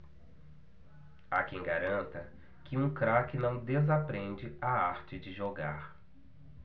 há quem garanta que um craque não desaprende a arte de jogar